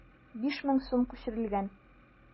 5000 сум күчерелгән.